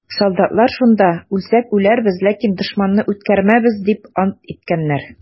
Солдатлар шунда: «Үлсәк үләрбез, ләкин дошманны үткәрмәбез!» - дип ант иткәннәр.